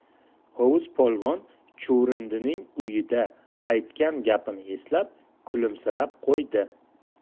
hovuz polvon chuvrindining uyida aytgan gapini eslab kulimsirab qo'ydi